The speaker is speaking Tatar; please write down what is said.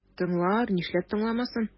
Тыңлар, нишләп тыңламасын?